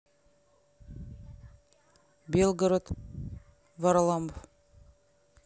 белгород варламов